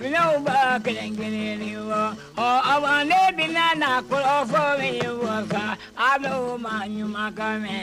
Ɲɔ ba kelen kelen wa ɔ ne bɛ nana na kɔrɔfɔ fɔ min wa a ma ɲuman mɛn